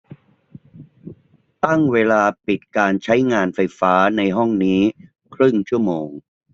ตั้งเวลาปิดการใช้งานไฟฟ้าในห้องนี้ครึ่งชั่วโมง